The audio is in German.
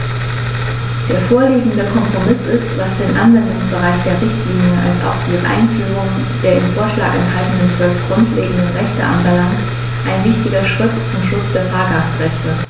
Der vorliegende Kompromiss ist, was den Anwendungsbereich der Richtlinie als auch die Einführung der im Vorschlag enthaltenen 12 grundlegenden Rechte anbelangt, ein wichtiger Schritt zum Schutz der Fahrgastrechte.